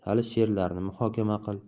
hali she'rlarni muhokama qil